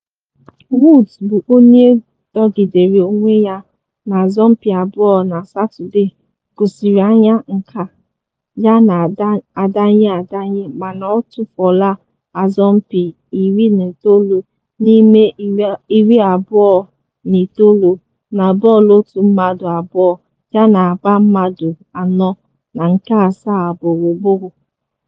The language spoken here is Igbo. Woods, bụ onye dọgidere onwe ya na asompi abụọ na Satọde gosiri anya nka ya na adanye adanye mana o tufuola asompi 19 n’ime 29 na bọọlụ otu mmadụ abụọ yana agba mmadụ anọ na nke asaa ugboro ugboro.